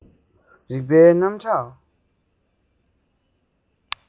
རིག པའི རྣམ གྲངས